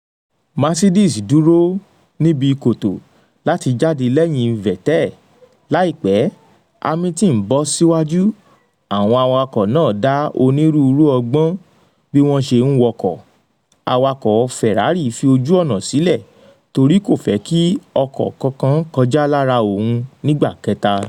Mercedes dúró níbi kòtò láti jáde lẹ́yìn Vettel. Láìpẹ́, Hamilton bọ́ síwájú. Àwọn awakọ̀ náà dá onírúurú ọgbọ́n bí wọ́n ṣe n wọkọ̀ . Awakọ̀ Ferari fi ojú-ọ̀nà sílẹ̀ torí kò fẹ́ ki ọkọ kọ̀ọ̀kan kọjá lára òun nígbà kẹta.